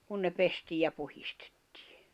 kun se pestiin ja puhdistettiin